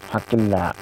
Hakilila